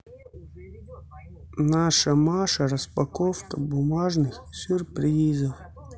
наша маша распаковка бумажных сюрпризов